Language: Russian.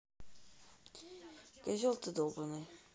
козел ты долбаный